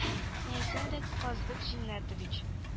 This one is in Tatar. Ни әйтсәң дә казбек зиннәтович